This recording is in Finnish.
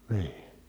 niin